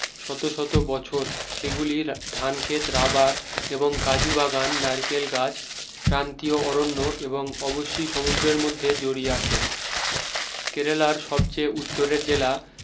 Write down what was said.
শত শত বছর সেগুলি ধানক্ষেত রাবার এবং কাজু বাগান নারকেল গাছ ক্রান্তীয় অরণ্য এবং অবশ্যি সমুদ্রের মধ্যে জড়িয়ে আছে কেরালার সবচেয়ে উত্তরের জেলা